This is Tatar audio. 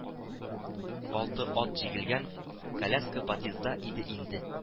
Алты ат җигелгән коляска подъездда иде инде